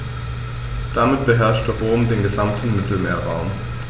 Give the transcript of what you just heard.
Damit beherrschte Rom den gesamten Mittelmeerraum.